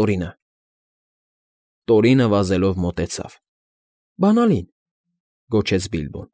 Տորինը։ Տորինը վազելով մոտեցավ։ ֊ Բանալին, ֊ գոչեց Բիլբոն։֊